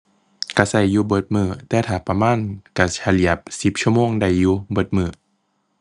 ก็ก็อยู่เบิดมื้อ แต่ถ้าประมาณก็เฉลี่ยสิบชั่วโมงได้อยู่ เบิดมื้อ